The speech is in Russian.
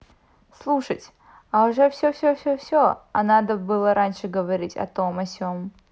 слушать а уже все все все все а надо было раньше говорить о том о сем